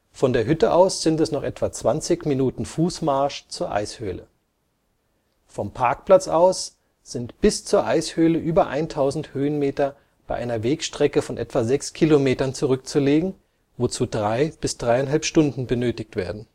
Von der Hütte aus sind es noch etwa 20 Minuten Fußmarsch zur Eishöhle. Vom Parkplatz aus sind bis zur Eishöhle über 1000 Höhenmeter bei einer Wegstrecke von etwa sechs Kilometern zurückzulegen, wozu drei bis dreieinhalb Stunden benötigt werden